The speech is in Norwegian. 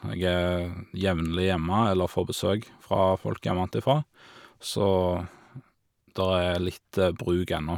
Jeg er jevnlig hjemme, eller får besøk fra folk hjemmantifra, så der er litt bruk ennå.